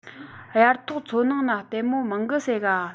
དབྱར གཐོག མཚོ ནང ན ལྟད མོ མང གི ཟེ ག